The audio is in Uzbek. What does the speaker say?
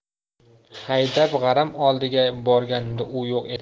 haydab g'aram oldiga borganimda u yo'q edi